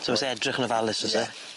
So ma' isie edrych yn ofalus o's e? Ie.